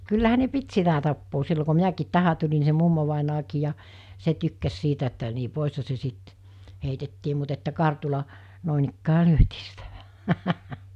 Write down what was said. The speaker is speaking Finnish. kyllähän ne piti sitä tapaa silloin kun minäkin tähän tulin niin se mummovainajakin ja se tykkäsi sitä että niin poishan se sitten heitettiin mutta että kartulla noinikään lyötiin sitä vähän